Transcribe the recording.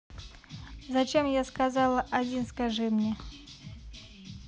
зачем я заказала один скажи мне